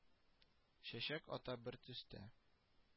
Чәчәк ата бер төстә